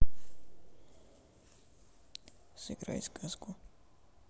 сыграй сказку